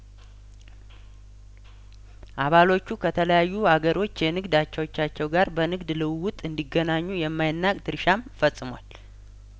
አባሎቹ ከተለያዩ ሀገሮች የንግድ አቻዎቻቸው ጋር በንግድ ልውውጥ እንዲ ገናኙ የማይናቅ ድርሻም ፈጽሟል